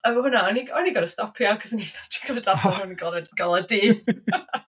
A efo hwnna o'n i'n o'n i'n gorfod stopio, achos o'n fatha dwi'n gorfod darllen hwn yn ngolau dydd .